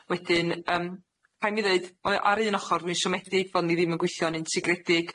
Wedyn, yym 'haid mi ddeud, we- ar un ochor dwi'n siomedig bod ni ddim yn gweithio'n integredig,